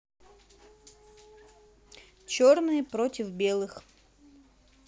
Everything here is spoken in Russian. черные против белых